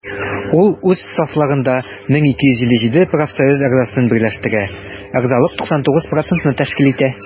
Ул үз сафларында 1257 профсоюз әгъзасын берләштерә, әгъзалык 99 % тәшкил итә.